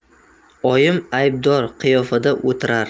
oyim aybdor qiyofada o'tirar